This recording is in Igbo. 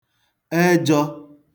ejọ̄